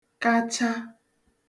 kacha